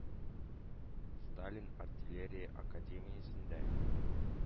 Сталин Артиллерия академиясендә